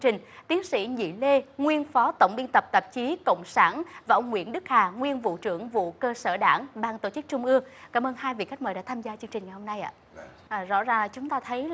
trình tiến sĩ nhị lê nguyên phó tổng biên tập tạp chí cộng sản và ông nguyễn đức hà nguyên vụ trưởng vụ cơ sở đảng ban tổ chức trung ương cảm ơn hai vị khách mời đã tham gia chương trình ngày hôm nay ạ vâng rõ ràng chúng ta thấy